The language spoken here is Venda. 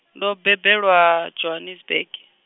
ndo bebelwa Johanesburg.